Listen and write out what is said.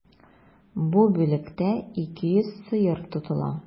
Бу бүлектә 200 сыер тотыла.